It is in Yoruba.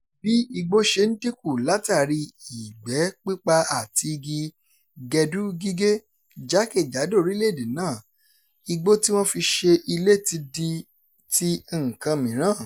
Bí igbó ṣe ń dínkù látàrí ìgbẹ́ pípa àti igi gẹdú gígé jákèjádò orílẹ̀ èdè náà, igbó tí wọ́n fi ṣe ilé ti di ti nǹkan mìíràn.